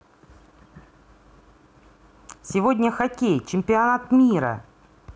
сегодня хоккей чемпионат мира